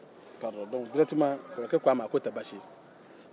kɔrɔkɛ ko a ma k'o tɛ baasi ye